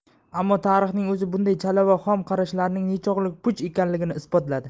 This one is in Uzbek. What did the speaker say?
ammo tarixning o'zi bunday chala va xom qarashlarning nechog'lik puch ekanligini isbotladi